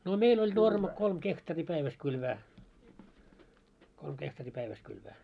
no meillä oli normi kolme hehtaaria päivässä kylvää kolme hehtaari päivässä kylvää